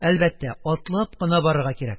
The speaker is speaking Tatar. Әлбәттә, атлап кына барырга кирәк.